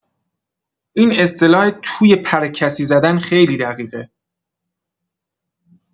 این اصطلاح «توی پر کسی زدن» خیلی دقیقه.